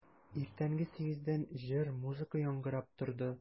Иртәнге сигездән җыр, музыка яңгырап торды.